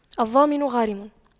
الضامن غارم